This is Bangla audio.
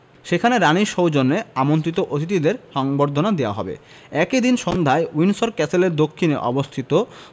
সেখানে রানির সৌজন্যে আমন্ত্রিত অতিথিদের সংবর্ধনা দেওয়া হবে একই দিন সন্ধ্যায় উইন্ডসর ক্যাসেলের দক্ষিণে অবস্থিত